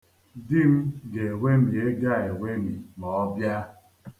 Di m ga-ewemi ego a ewemi ma ọ bịa.